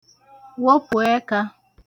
wopù ẹkā